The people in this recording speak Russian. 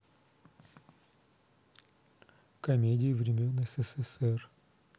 комедии времен ссср